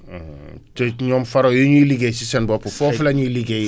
te ñoom faro yi ñuy liggéey si seen bopp foofu la ñuy liggéeyee